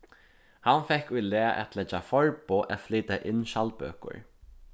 hann fekk í lag at leggja forboð at flyta inn skjaldbøkur